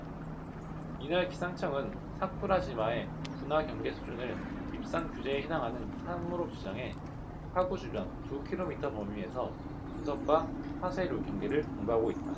이날 기상청은 사쿠라지마의 분화 경계 수준을 입산 규제에 해당하는 삼 으로 지정해 화구 주변 두 키로미터범위에서 분석과 화쇄류 경계를 당부하고 있다